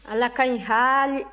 ala ka ɲi haali